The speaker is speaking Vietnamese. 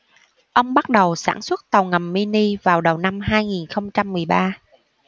ông bắt đầu sản xuất tàu ngầm mini vào đầu năm hai nghìn không trăm mười ba